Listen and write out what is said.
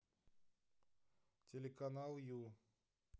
телеканал ю